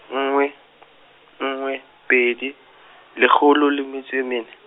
nngwe , nngwe, pedi, lekgolo le metso e mene.